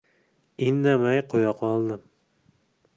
indamay qo'ya qoldim